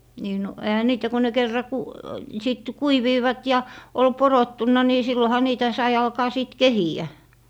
niin no eihän niitä kun ne kerran - sitten kuivuivat ja oli porottunut niin silloinhan niitä sai alkaa sitten kehiä